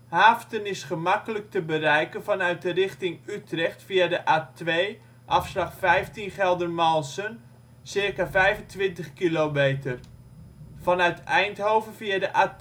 Haaften is gemakkelijk te bereiken vanuit de richting Utrecht via de A2 (afslag 15 Geldermalsen) circa 25 kilometer, vanuit Eindhoven via de A2